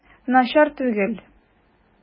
Начар түгел.